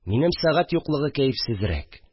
Минем сәгать юклыгы кәефсезрәк